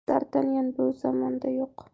dartanyan bu zamonda yo'q